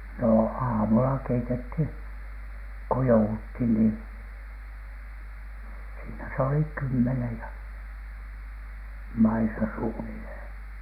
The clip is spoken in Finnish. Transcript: no aamulla keitettiin kun jouduttiin niin siinä se oli kymmenen ja maissa suunnilleen